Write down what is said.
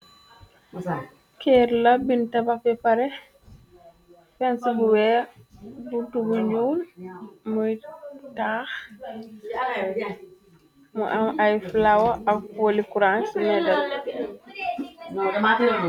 Kërr la bin tabak be pare fens bu weex buntu bu nyuul muy taax mu am ay flawer ak poli kurang ci mbedal bi.